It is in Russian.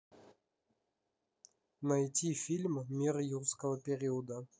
найти фильм мир юрского периода